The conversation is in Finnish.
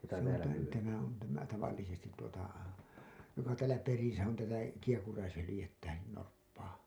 se on - tämä on tämä tavallisesti tuota joka täällä perässä on tätä kiehkuraishyljettä norppaa